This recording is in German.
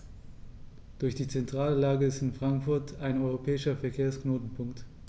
Durch die zentrale Lage ist Frankfurt ein europäischer Verkehrsknotenpunkt.